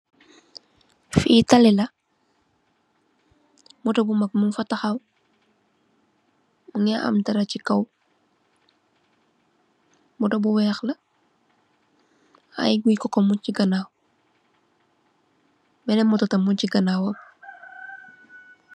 Fee talih la motor bu mag mugfa tahaw muge am dara se kaw motor bu weex la aye goye coco mugse ganaw benen motor tam mugse ganawam.